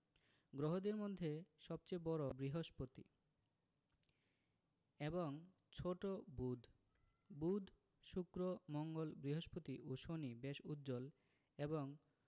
গ্রহদের মধ্যে সবচেয়ে বড় বৃহস্পতি এবং ছোট বুধ বুধ শুক্র মঙ্গল বৃহস্পতি ও শনি বেশ উজ্জ্বল এবং